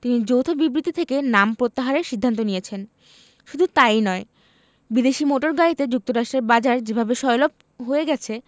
তিনি যৌথ বিবৃতি থেকে নাম প্রত্যাহারের সিদ্ধান্ত নিয়েছেন শুধু তা ই নয় বিদেশি মোটর গাড়িতে যুক্তরাষ্ট্রের বাজার যেভাবে সয়লাব হয়ে গেছে